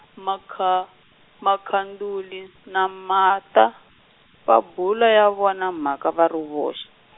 makha, Makhanduli na Martha, va bula ya vona mhaka va ri voxe.